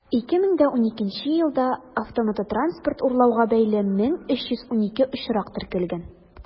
2012 елда автомототранспорт урлауга бәйле 1312 очрак теркәлгән.